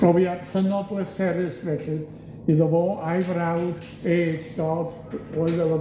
Profiad hynod bleserus felly iddo fo a'i frawd, Ay Dodd roedd fel o'dd...